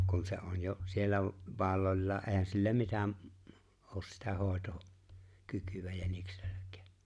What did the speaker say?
kun se on jo siellä valollaan eihän sillä mitä ole sitä hoitaa kykyä jänikselläkään